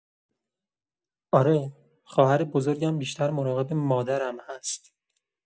آره، خواهر بزرگم بیشتر مراقب مادرم هست.